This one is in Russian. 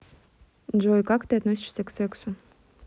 джой как ты относишься к сексу